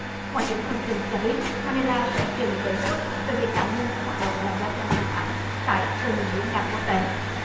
ngoại trưởng phi líp pin cho biết man nê la sẽ trình đề xuất về việc tạm ngừng các hoạt động làm leo thang căng thẳng tại từng diễn đàn quốc tế